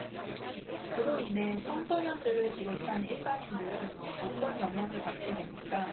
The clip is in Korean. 그로 인해 청소년들을 비롯한 일반인들은 어떤 영향을 받게 됩니까